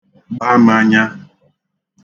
gba manya.